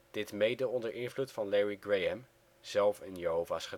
Dit mede onder invloed van Larry Graham, zelf een Jehova 's